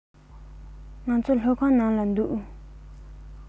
ཁོ ཚོ སློབ ཁང ནང ལ འདུག